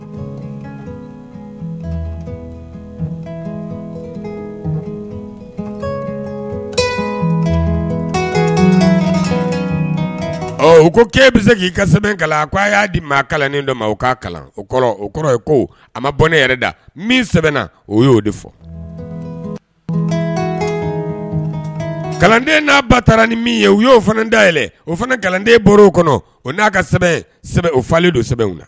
U ko ke bɛ se k'i ka sɛbɛn kalan aa y'a di maa kalannen dɔ ma o k'a kalan o o kɔrɔ ye ko a ma bɔ ne yɛrɛ da min sɛbɛnna o'o de fɔ kalanden n'a ba taara ni min ye u y' oo fana dayɛlɛn o fana nkalonden baro o kɔnɔ o n'a ka sɛ sɛ o falenli don sɛbɛnw